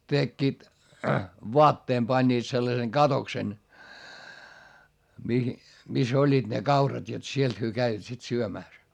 tekivät vaatteen panivat sellaisen katoksen mihin missä olivat ne kaurat jotta sieltä he kävivät sitten syömässä